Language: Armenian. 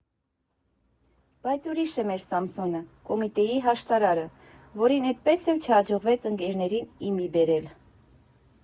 Բայց ուրիշ է մեր Սամսոնը՝ Կոմիտեի հաշտարարը, որին էդպես էլ չհաջողվեց ընկերներին ի մի բերել։